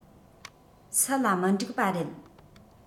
སུ ལ མི འགྲིག པ རེད